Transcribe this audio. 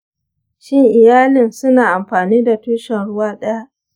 shin iyalin suna amfani da tushen ruwa ɗaya?